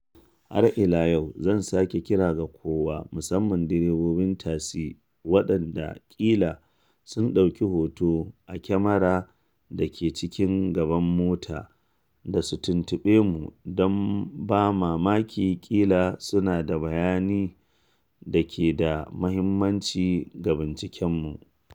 Har ila yau zan sake kira ga kowa, musamman direbobin tasi, waɗanda ƙila sun ɗauki hoto a kyamarar da ke cikin gaban mota da su tuntuɓe mu don ba mamaki ƙila suna da bayani da ke da muhimmanci ga bincikenmu.'